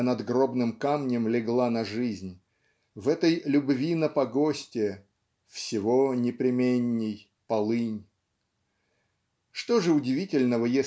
а надгробным камнем легла на жизнь в этой любви на погосте "всего непременней полынь". Что же удивительного